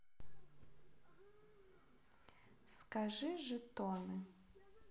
скажи жетоны